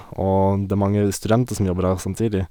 Og det er mange studenter som jobber der samtidig.